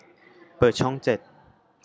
เปิดช่องเจ็ด